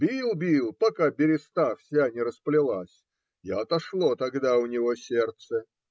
Бил-бил, пока береста вся не расплелась, и отошло тогда у него сердце.